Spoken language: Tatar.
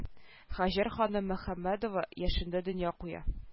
Һаҗәр ханым мөхәммәдова яшендә дөнья куя